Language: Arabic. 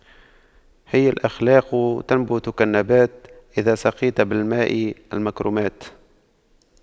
هي الأخلاق تنبت كالنبات إذا سقيت بماء المكرمات